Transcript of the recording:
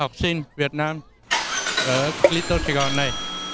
học sinh việt nam ở lít tơ sài gòn này